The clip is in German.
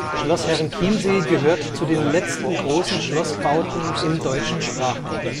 Schloss Herrenchiemsee gehört zu den letzten großen Schlossbauten im deutschen Sprachraum